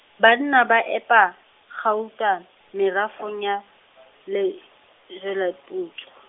banna ba epa kgauta, merafong ya, Lejweleputswa.